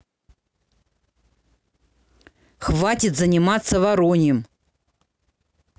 хватит заниматься вороньим